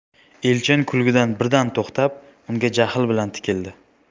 elchin kulgidan birdan to'xtab unga jahl bilan tikildi